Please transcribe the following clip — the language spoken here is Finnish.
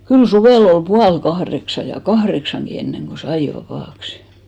kyllä suvella oli puoli kahdeksan ja kahdeksankin ennen kuin sai vapaaksi